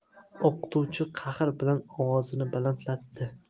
o'qituvchi qahr bilan ovozini balandlatdi